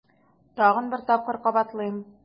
Тагын бер тапкыр кабатлыйм: